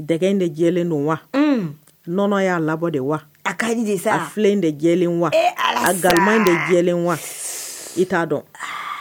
Dɛgɛ de jɛlen don wa nɔnɔ y'a labɔ de wa a ka filen de jɛlen wa ga de jɛlen wa i t'a dɔn